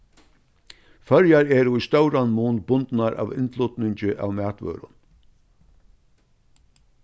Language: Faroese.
føroyar eru í stóran mun bundnar av innflutningi av matvørum